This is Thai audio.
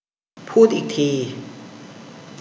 พูดอีกที